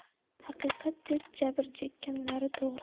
haqiqat deb jabr chekkanlari to'g'ri